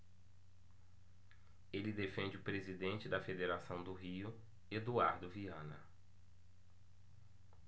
ele defende o presidente da federação do rio eduardo viana